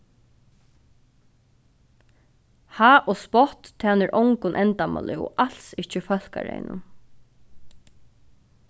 háð og spott tænir ongum endamáli og als ikki fólkaræðinum